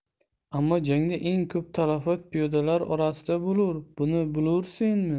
ammo jangda eng ko'p talafot piyodalar orasida bo'lur buni bilursenmi